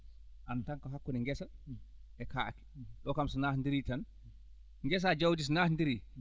en tant que hakkunde ngesa e kaake ɗo kam so natonndirii tan ngesa e jawdi so naatonndirii